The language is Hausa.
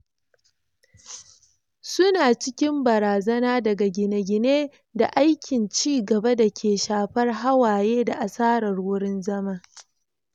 Su na cikin barazana daga gine-gine da aikin ci gaba da ke shafar hawaye da asarar wurin zama.